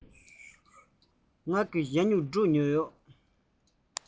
ངས ཞྭ སྨྱུག དྲུག ཉོས ཡོད